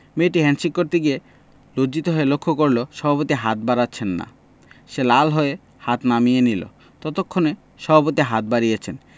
মেয়েটি হ্যাণ্ডশেক করতে গিয়ে লজ্জিত হয়ে লক্ষ্য করল সভাপতি হাত বাড়াচ্ছেন না সে লাল হয়ে হাত নামিয়ে নিল ততক্ষনে সভাপতি হাত বাড়িয়েছেন